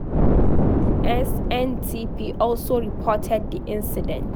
The SNTP also reported the incident: